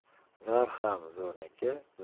zar ham zo'rniki